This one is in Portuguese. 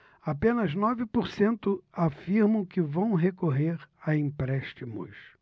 apenas nove por cento afirmam que vão recorrer a empréstimos